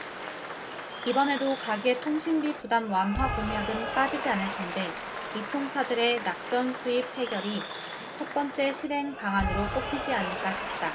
이번에도 가계통신비 부담 완화 공약은 빠지지 않을텐데 이통사들의 낙전수입 해결이 첫번째 실행 방안으로 꼽히지 않을까 싶다